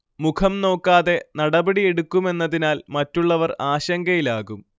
മുഖം നോക്കാതെ നടപടി എടുക്കുമെന്നതിനാൽ മറ്റുള്ളവർ ആശങ്കയിലാകും